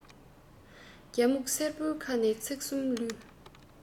རྒྱ སྨྱུག གསེར པོའི ཁ ནས ཚིག གསུམ ལུས